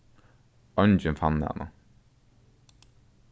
eingin fann hana